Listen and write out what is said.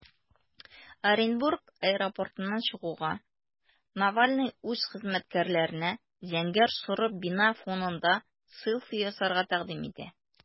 Оренбург аэропортыннан чыгуга, Навальный үз хезмәткәрләренә зәңгәр-соры бина фонында селфи ясарга тәкъдим итә.